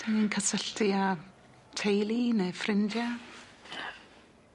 'Dan ni'n cysylltu â teulu ne' ffrindia. Na.